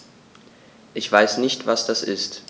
Ich weiß nicht, was das ist.